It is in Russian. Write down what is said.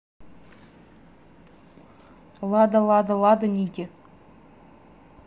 лада лада лада ники